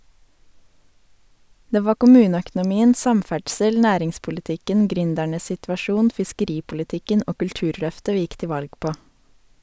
Det var kommuneøkonomien, samferdsel, næringspolitikken, gründernes situasjon, fiskeripolitikken og kulturløftet vi gikk til valg på.